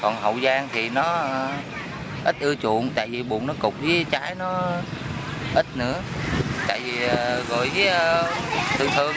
hoàng hậu giang thì nó ít ưa chuộng tại vì bụng nó cục với trái nó ớ ít nữa tại vì ngồi dưới ờ thường thường